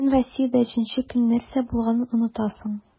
Син Россиядә өченче көн нәрсә булганын онытасың.